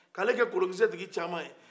k'ale kɛ kolokisɛ tigi cama ye